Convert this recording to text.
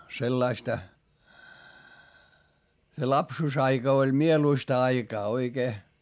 sellaista se lapsuusaika oli mieluista aikaa oikein